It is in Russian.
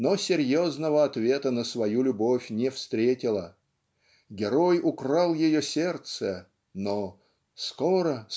но серьезного ответа на свою любовь не встретила. Герой украл ее сердце но "скоро